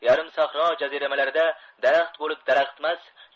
yarim sahro jaziramalarida daraxt bo'lib daraxtmas